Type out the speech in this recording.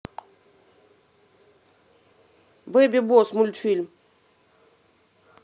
бэби босс мультфильм